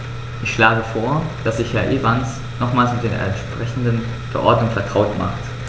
Ich schlage vor, dass sich Herr Evans nochmals mit der entsprechenden Verordnung vertraut macht.